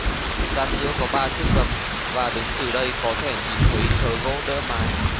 gian giữa có ba chiếc rầm và đứng từ đây có thể nhìn thấy thớ gỗ đỡ mái